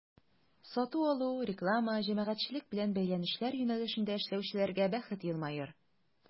Сату-алу, реклама, җәмәгатьчелек белән бәйләнешләр юнәлешендә эшләүчеләргә бәхет елмаер.